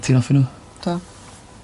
Ti'n offi n'w? 'Dw.